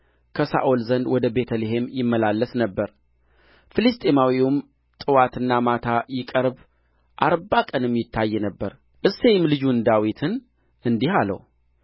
ከሳኦል ዘንድ ወደ ቤተ ልሔም ይመላለስ ነበር ፍልስጥኤማዊውም ጥዋትና ማታ ይቀርብ አርባ ቀንም ይታይ ነበር እሴይም ልጁን ዳዊትን እንዲህ አለው